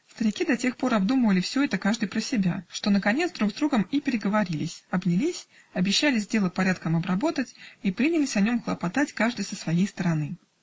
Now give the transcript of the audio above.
Старики до тех пор обдумывали все это каждый про себя, что наконец друг с другом и переговорились, обнялись, обещались дело порядком обработать и принялись о нем хлопотать каждый со своей стороны.